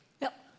ja.